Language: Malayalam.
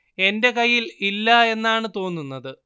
എന്റെ കയ്യിൽ ഇല്ല എന്നാണ് തോന്നുന്നത്